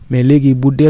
am na ñu ko fiy bay